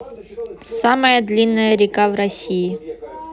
какая самая длинная река в россии